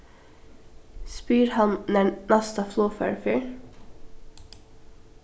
spyr hann nær næsta flogfarið fer